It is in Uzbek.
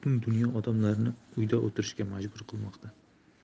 butun dunyo odamlarini uyda o'tirishga majbur qilmoqda